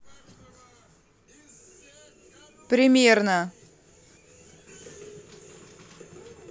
примерно